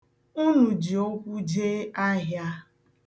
Unu ji ụkwụ jee ahịa.